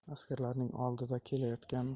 askarlarning oldida kelayotgan ahmad